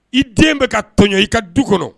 I den bɛ ka tɔnɲɔ i ka du kɔnɔ